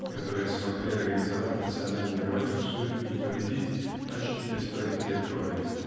которые смогли организовать национальную революцию и победить почти без пролития крови.